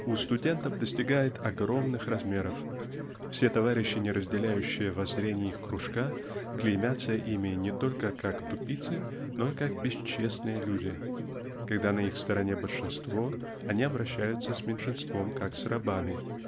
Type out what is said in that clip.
у студентов достигает огромных размеров. Все товарищи не разделяющие воззрений их кружка клеймятся ими не только как тупицы но и как бесчестные люди. Когда на их стороне большинство они обращаются с меньшинством как с 'рабами